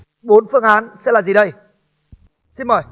bốn phương án sẽ là gì đây xin mời